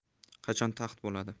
qachon taxt bo'ladi